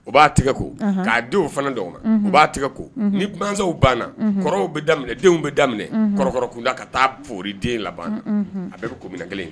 U b'a tɛgɛ ko k'a denw fana d ma u b'a tɛgɛ ko niw banna kɔrɔw bɛ daminɛ denw bɛ daminɛ kɔrɔ kunda ka taa foliɔri den la banna a bɛ ko minɛ kelen ye